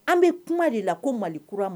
An bɛ kuma de la ko Mali kura m